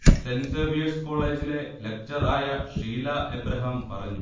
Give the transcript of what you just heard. saint Xavier's കോളേജിലെ lecture ആയ ഷീല എബ്രഹാം പറഞ്ഞു